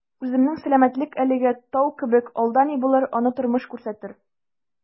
Үземнең сәламәтлек әлегә «тау» кебек, алда ни булыр - аны тормыш күрсәтер...